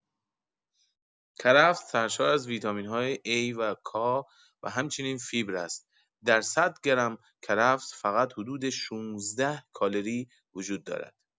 کرفس سرشار از ویتامین‌های A و K، و همچنین فیبر است در، ۱۰۰ گرم کرفس فقط حدود ۱۶ کالری وجود دارد.